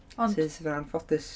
Ond... Sy- sydd yn anffodus.